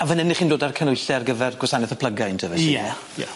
A fyn 'yn 'ych chi'n dod â'r canwylle ar gyfer gwasaneth y plygain te felly? Ie ie.